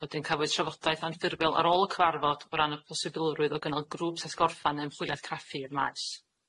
Wedyn cafwyd trafodaeth anffurfiol ar ôl y cyfarfod o ran y posibilrwydd o gynnal grŵps at gorffan ymchwiliad craffu i'r maes.